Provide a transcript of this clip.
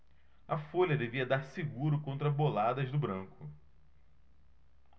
a folha devia dar seguro contra boladas do branco